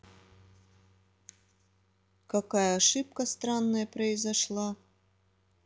какая ошибка странная произошла